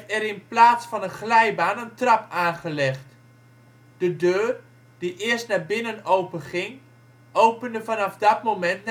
er in plaats van een glijbaan een trap aangelegd. De deur, die eerst naar binnen openging, opende vanaf dat moment